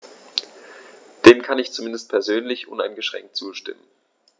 Dem kann ich zumindest persönlich uneingeschränkt zustimmen.